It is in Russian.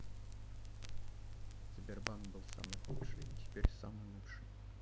сбербанк был самый худший теперь самый лучший